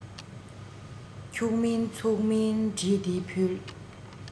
འཁྱུག མིན ཚུགས མིན བྲིས ཏེ ཕུལ